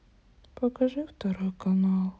покажи второй канал